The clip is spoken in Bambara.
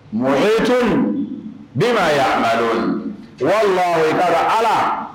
Mɔyitonun ne ma ya amadu wala ala